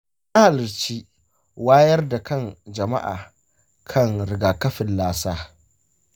na halarci wayar da kan jama’a kan rigakafin lassa